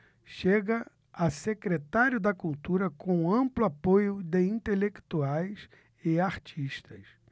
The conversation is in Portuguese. chega a secretário da cultura com amplo apoio de intelectuais e artistas